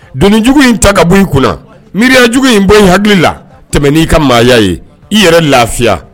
Doni jugu in ta ka bɔ i kunna , miiriyajugu in bɔ yen hakili la tɛmɛ ni ka maaya ye i yɛrɛ lafiya